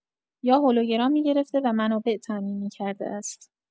یا هولوگرام می‌گرفته و منابع تامین می‌کرده است.